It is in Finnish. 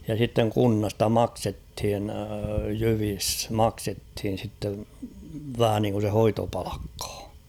ja sitten kunnasta maksettiin jyvissä maksettiin sitten vähän niin kuin se hoitopalkkaa